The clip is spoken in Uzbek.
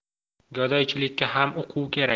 gadoychilikka ham uquv kerak